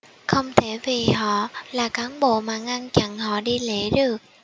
không thể vì họ là cán bộ mà ngăn chặn họ đi lễ được